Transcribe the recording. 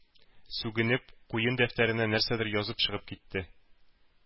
Сүгенеп, куен дәфтәренә нәрсәдер язып чыгып китте.